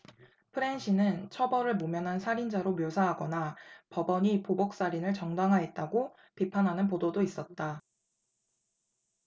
프랜신을 처벌을 모면한 살인자로 묘사하거나 법원이 보복살인을 정당화했다고 비판하는 보도도 있었다